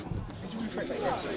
Djibi Faye